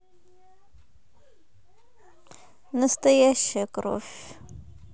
настоящая кровь